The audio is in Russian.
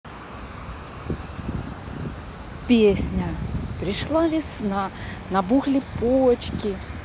песня пришла весна набухли почки